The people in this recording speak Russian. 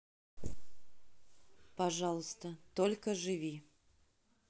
пожалуйста только живи